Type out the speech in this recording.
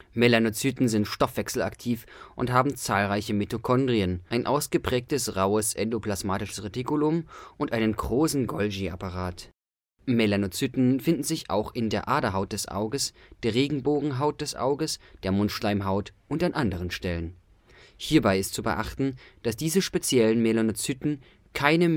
Melanozyten sind Stoffwechsel-aktiv und haben zahlreiche Mitochondrien, ein ausgeprägtes raues endoplasmatisches Retikulum und einen großen Golgi-Apparat. Melanozyten finden sich auch in der Aderhaut des Auges, der Regenbogenhaut des Auges, der Mundschleimhaut und an anderen Stellen. Hierbei ist zu beachten, dass diese speziellen Melanozyten keine